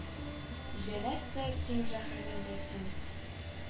Җәннәт тә син җәһәннәм дә син